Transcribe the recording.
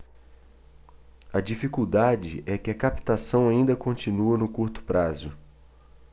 a dificuldade é que a captação ainda continua no curto prazo